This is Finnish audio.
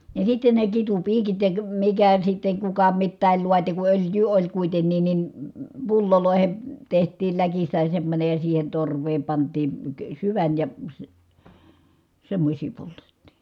ja sitten ne kitupiikit ja mikä sitten kuka mitäkin laati kun öljyä oli kuitenkin niin pulloihin tehtiin läkistä semmoinen ja siihen torveen pantiin - syvän ja - semmoisia poltettiin